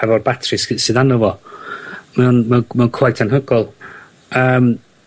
efo'r batri sy sydd arno fo. Mae o'n ma' mae o'n cweit anhygoel. Yym.